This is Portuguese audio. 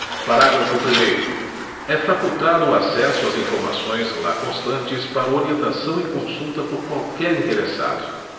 parágrafo primeiro é facultado o acesso às informações lá constantes para orientação e consulta por qualquer interessado